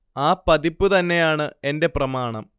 ആ പതിപ്പ് തന്നെയാണ് എന്റെ പ്രമാണം